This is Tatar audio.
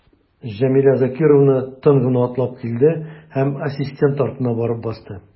Җәмилә Закировна тын гына атлап килде һәм ассистент артына барып басты.